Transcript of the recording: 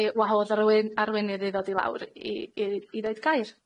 i arweinydd i ddod i lawr i i i ddeud gair.